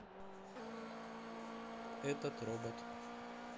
этот робот